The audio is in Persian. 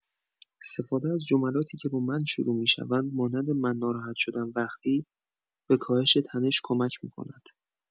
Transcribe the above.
استفاده از جملاتی که با «من» شروع می‌شوند، مانند «من ناراحت شدم وقتی…»، به کاهش تنش کمک می‌کند.